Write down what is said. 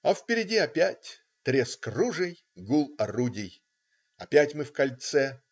А впереди опять треск ружей, гул орудий. Опять мы в кольце.